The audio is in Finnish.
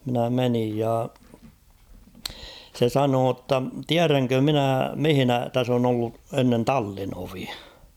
minä menin ja se sanoi jotta tiedänkö minä missä tässä on ollut ennen tallinovi